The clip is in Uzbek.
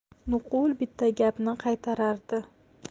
nuqul bitta gapni qaytaradi